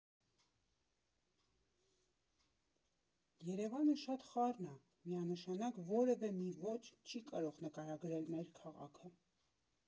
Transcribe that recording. Երևանը շատ խառն ա՝ միանշանակ որևէ մի ոճ չի կարող նկարագրել մեր քաղաքը։